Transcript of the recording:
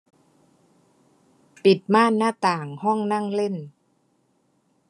ปิดม่านหน้าต่างห้องนั่งเล่น